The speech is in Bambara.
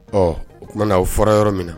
Ɔɔ tumana o fɔra yɔrɔ min na